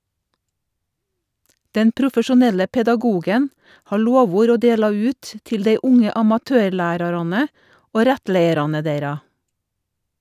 Den profesjonelle pedagogen har lovord å dela ut til dei unge amatørlærarane og rettleiarane deira.